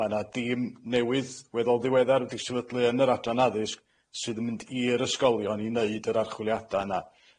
Ma' na dîm newydd weddol ddiweddar wedi sefydlu yn yr adran addysg sydd yn mynd i'r ysgolion i neud yr archwiliada yna.